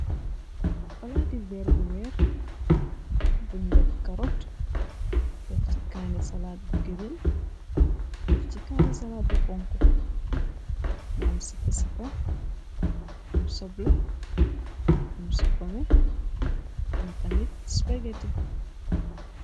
Plati veer bu weex bunj def carrot def ci kaneh salad bu green def ci kaneh salad bu xonxu mu am sipa sipap am sobleh am supameh am tamit spaghetti